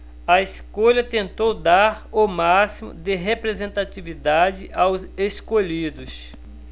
a escolha tentou dar o máximo de representatividade aos escolhidos